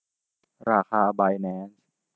ราคาไบแนนซ์